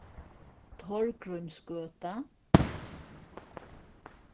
torgrímsgøta